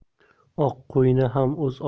oq qo'yni ham o'z